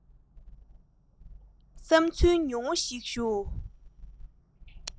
བསམ ཚུལ ཉུང ངུ ཞིག ཞུ